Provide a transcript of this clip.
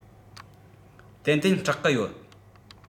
ཏན ཏན སྐྲག གི ཡོད